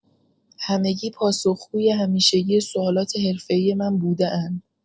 همگی پاسخگوی همیشگی سوالات حرفه‌ای من بوده‌اند.